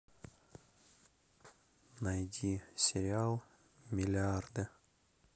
найди сериал миллиарды